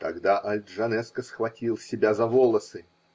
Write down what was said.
Тогда Аль-Джанеско схватил себя за волосы.